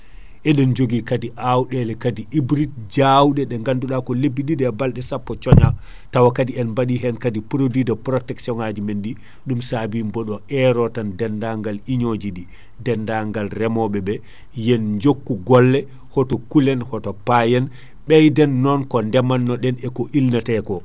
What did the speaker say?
eɗen joogui kaadi awɗele kaadi hybride jawɗe ɗe ganduɗa ko lebbi ɗiɗi e balɗe sappo coña tawa kaadi en baaɗi hen kaadi produit de protection ŋaji men ɗi ɗum saabi boɗo eero tan dennagal union ɗi dennagal reemoɓeɓe yen jokku golle hoto kuulen hoto payen ɓeyden non ko ndeemanno ɗen e ko ilnete ko